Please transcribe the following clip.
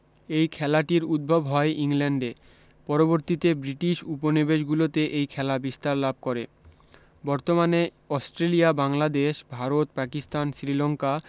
এই খেলাটির উদ্ভব হয় ইংল্যান্ডে পরবর্তীতে ব্রিটিশ উপনিবেশ গুলোতে এই খেলা বিস্তার লাভ করে বর্তমানে অস্ট্রেলিয়া বাংলাদেশ ভারত পাকিস্তান শ্রীলংকা